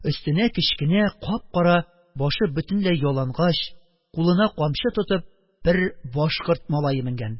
Өстенә кечкенә, кап-кара, башы бөтенләй ялангач, кулына камчы тотып, бер башкорт малае менгән.